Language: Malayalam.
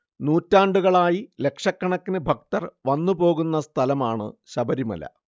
നൂറ്റാണ്ടുകളായി ലക്ഷക്കണക്കിന് ഭക്തർ വന്നു പോകുന്ന സഥലമാണ് ശബരിമല